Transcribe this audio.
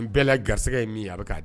N bɛɛ la garisɛgɛ ye min a